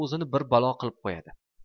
o'zini bir balo qilib qo'yadi